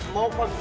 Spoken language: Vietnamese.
một phần